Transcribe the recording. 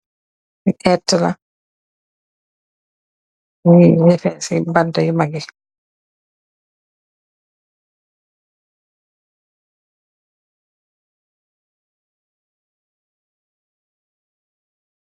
Li eteh la lo nyui lefin si banta yu maagi.